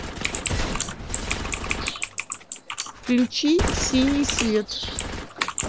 включи синий свет